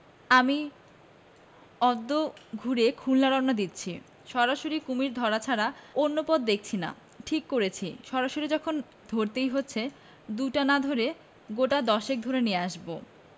আমি অদ্য ভােরে খুলনা রওনা হচ্ছি সরাসরি কুশীর ধরা ছাড়া অন্য পথ দেখছি না ঠিক করেছি সরাসরি যখন ধরতেই হচ্ছে দুটা না ধরে গােটা দশেক ধরে নিয়ে আসব